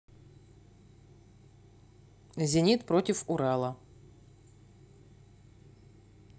зенит против урала